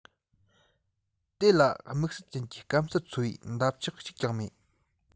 དེ ལ དམིགས བསལ ཅན གྱི སྐམ སར འཚོ བའི འདབ ཆགས གཅིག ཀྱང མེད